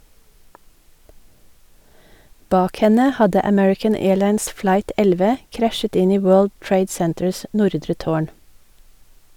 Bak henne hadde American Airlines Flight 11 krasjet inn i World Trade Centers nordre tårn.